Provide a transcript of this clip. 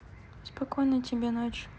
спокойной тебе ночи